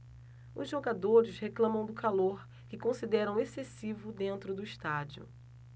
os jogadores reclamam do calor que consideram excessivo dentro do estádio